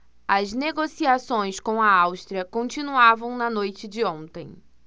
as negociações com a áustria continuavam na noite de ontem